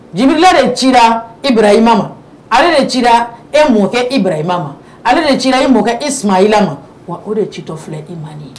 Jibirila de cira Iburahima , ale de ci la e mɔkɛ Iburahima ma, ale de ci e mɔkɛ Ismaila ma, wa o de citɔ filɛ i ma.